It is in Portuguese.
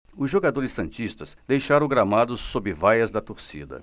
os jogadores santistas deixaram o gramado sob vaias da torcida